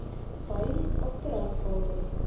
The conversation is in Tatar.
Харис аптырап калды.